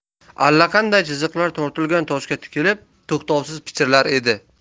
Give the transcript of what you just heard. allaqanday chiziqlar tortilgan toshga tikilib to'xtovsiz pichirlar edi